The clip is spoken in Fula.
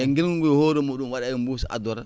ngilngu nguu e hoore muɗum waɗa he buus addora